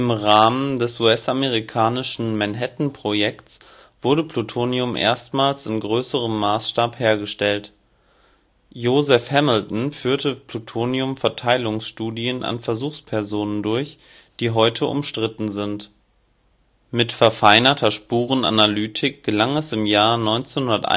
Rahmen des US-amerikanischen Manhattan-Projekts wurde Plutonium erstmals in größerem Maßstab hergestellt. Joseph Hamilton führte Plutonium-Verteilungsstudien an Versuchspersonen durch, die heute umstritten sind. Mit verfeinerter Spurenanalytik gelang es im Jahr 1971